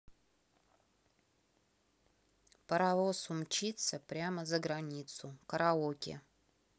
паровоз умчится прямо на границу караоке